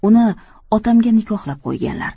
uni otamga nikohlab qo'yganlar